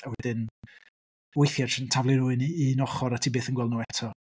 A wedyn weithiau jyst yn taflu rywun i un ochr a ti byth yn gweld nhw eto.